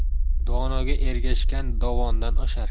donoga ergashgan dovondan oshar